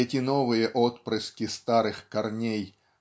эти новые отпрыски старых корней